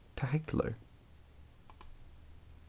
tað heglar